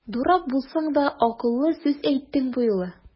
Дурак булсаң да, акыллы сүз әйттең бу юлы!